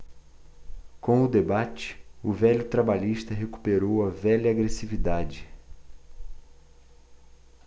com o debate o velho trabalhista recuperou a velha agressividade